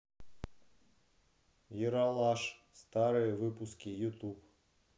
ералаш старые выпуски ютуб